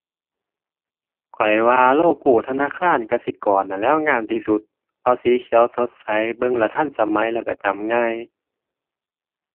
ข้อยว่าโลโกธนาคารกสิกรนั่นแหล้วงามที่สุด เพราะสีเขียวสดใส เบิ่งแล้วทันสมัยแล้วก็จำง่าย